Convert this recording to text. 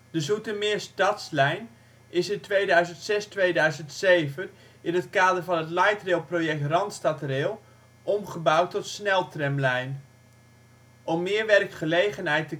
De Zoetermeer Stadslijn is in 2006-2007 in het kader van het lightrailproject RandstadRail omgebouwd tot sneltramlijn. Om meer werkgelegenheid